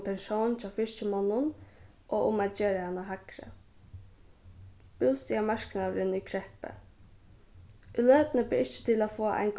pensjón hjá fiskimonnum og um at gera hana hægri bústaðarmarknaðurin í kreppu í løtuni ber ikki til at fáa ein